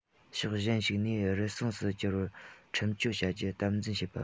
ཕྱོགས གཞན ཞིག ནས རུལ སུངས སུ འགྱུར བར ཁྲིམས གཅོད བྱ རྒྱུ དམ འཛིན བྱེད པ